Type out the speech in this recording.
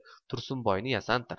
tursunboyni yasantir